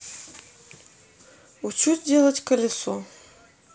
учусь делать колесо